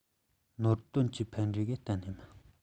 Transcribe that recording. ནོར དོན གྱི ཕན འབྲས དགོས གཏན ནས མ རེད